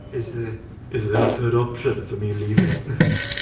Is there, is there a third option for me leaving?